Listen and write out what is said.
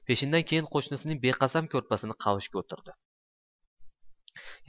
peshindan keyin qo'shnisining beqasam ko'rpasini qavishga o'tirdi